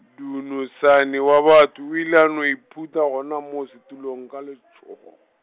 Dunusani wa batho o ile a no iphutha gona moo setulong ka letšhogo.